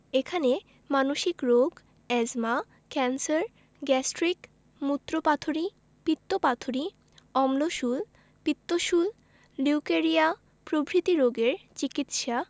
এখানে মানসিক রোগ এ্যজমা ক্যান্সার গ্যাস্ট্রিক মুত্রপাথড়ী পিত্তপাথড়ী অম্লশূল পিত্তশূল লিউকেরিয়া প্রভৃতি রোগের চিকিৎসা